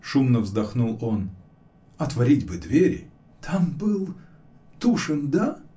— шумно вздохнул он, — отворить бы двери! — Там был. Тушин — да?